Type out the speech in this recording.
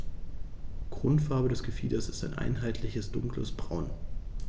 Grundfarbe des Gefieders ist ein einheitliches dunkles Braun.